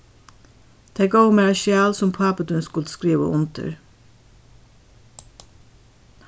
tey góvu mær eitt skjal sum pápi tín skuldi skriva undir